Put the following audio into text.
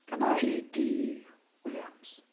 Gan I D Williams.